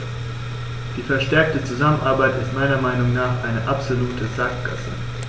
Die verstärkte Zusammenarbeit ist meiner Meinung nach eine absolute Sackgasse.